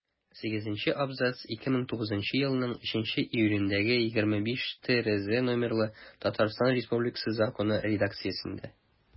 Сигезенче абзац 2009 елның 3 июлендәге 25-ТРЗ номерлы Татарстан Республикасы Законы редакциясендә.